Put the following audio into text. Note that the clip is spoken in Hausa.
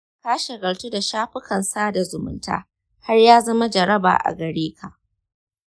ka shagaltu da shafukan sada zumunta har ya zama jaraba a gare ka?